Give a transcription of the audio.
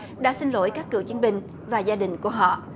đã xin lỗi các cựu chiến binh và gia đình của họ